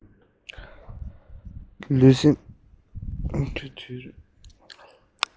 ལུས སེམས གཉིས ཀ ངལ བའི གདུང བས མནར